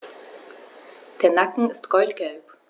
Der Nacken ist goldgelb.